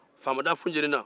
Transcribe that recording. faama da futenina